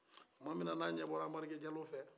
tuma mina ni a ɲɛbɔra anbarike jalo fɛ